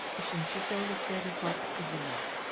Өченче тәүлектә Рифат өзелә...